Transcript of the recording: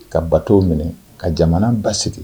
Ka bato minɛ ka jamana ba sigi